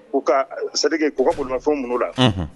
U ka c'est à dire k'u ka bolomafɛn minɛ u la; Unhun.